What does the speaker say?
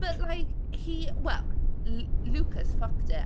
But like he well L- Luca's fucked it.